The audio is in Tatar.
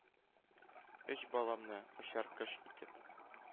— өч баламны, очар кош итеп,